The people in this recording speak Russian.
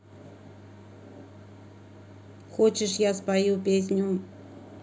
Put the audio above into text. хочешь я спою песню